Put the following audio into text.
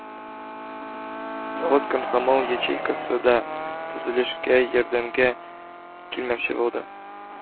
Завод комсомол ячейкасы да төзелешкә ярдәмгә кил-мәкче булды